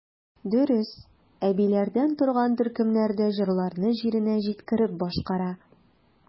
Дөрес, әбиләрдән торган төркемнәр дә җырларны җиренә җиткереп башкара.